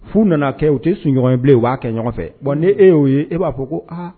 F'u nana kɛ, u tɛ sigiɲɔgɔn bilen, u b'a kɛ ɲɔgɔn fɛ. Bon ni e ye o ye, e b'a fɔ ko aa